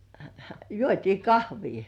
juotiin kahvia